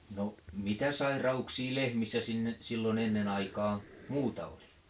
no mitä sairauksia lehmissä sinne silloin ennen aikaan muuta oli